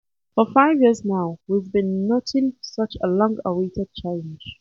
MKH: For five years now we've been noting such a long awaited change.